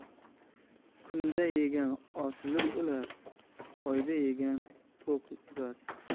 kunda yegan osilib o'lar oyda yegan to'q turar